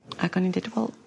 ...Ac o'n i'n deud wel...